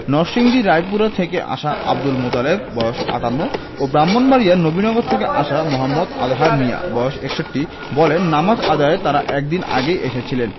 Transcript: নরসিংদী রায়পুরা থেকে আসা আবদুল মোতালেব বয়স ৫৮ ও ব্রাহ্মণবাড়িয়ার নবীনগর থেকে আসা মো. আজহার মিয়া বয়স ৬১ বলেন নামাজ আদায়ে তাঁরা এক দিন আগেই এসেছিলেন